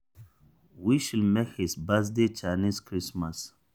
We should make his birthday Chinese Christmas.